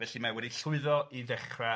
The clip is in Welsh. Felly, mae wedi llwyddo i ddechra